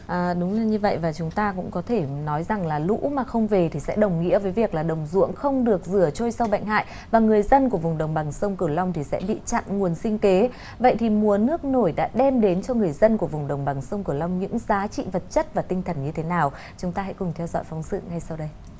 à đúng là như vậy và chúng ta cũng có thể nói rằng là lũ mà không về thì sẽ đồng nghĩa với việc là đồng ruộng không được rửa trôi sâu bệnh hại và người dân của vùng đồng bằng sông cửu long thì sẽ bị chặn nguồn sinh kế vậy thì mùa nước nổi đã đem đến cho người dân của vùng đồng bằng sông cửu long những giá trị vật chất và tinh thần như thế nào chúng ta hãy cùng theo dõi phóng sự ngay sau đây